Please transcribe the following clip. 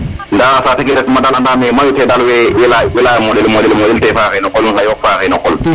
nda saate ke ret ma dal andame mayu te dal we leya ye moɗel fe moɗel fe faxe no qol ŋayox faaxe no qol